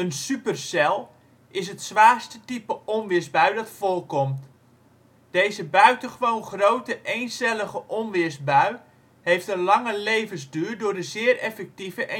supercel is het zwaarste type onweersbui dat voorkomt. Deze buitengewoon grote eencellige onweersbui heeft een lange levensduur door de zeer effectieve energievoorziening